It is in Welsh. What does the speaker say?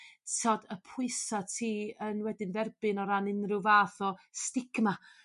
t'od y pwysa' ti yn wedyn derbyn o ran unrhyw fath o stigma.